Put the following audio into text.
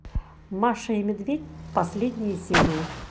маша и медведь последние серии